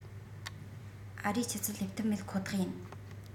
ཨ རིའི ཆུ ཚད སླེབས ཐབས མེད ཁོ ཐག ཡིན